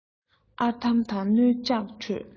ཨར དམ དང རྣོ ལྕགས ཁྲོད